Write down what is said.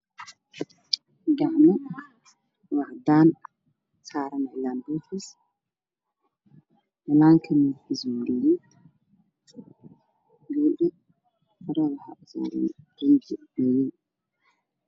Waa gacmo cadaan cumarsan yahay cillaan guduud ah waxaa saaran miis caddaan waana gabar